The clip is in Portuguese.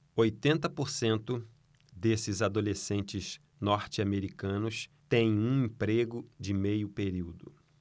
oitenta por cento desses adolescentes norte-americanos têm um emprego de meio período